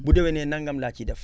bu déwénee nangam laa ciy def